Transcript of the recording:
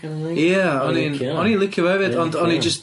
Ia o'n i'n o'n i'n licio fe hefyd ond o'n i jst